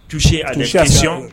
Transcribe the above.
Tu se ani sesi